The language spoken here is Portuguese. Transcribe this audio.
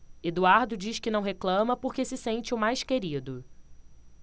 eduardo diz que não reclama porque se sente o mais querido